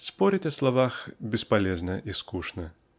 Спорить о словах -- бесполезно и скучно.